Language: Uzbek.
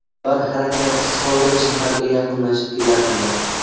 ular harakatsiz qolgan shaharga yaqinlashib kelardilar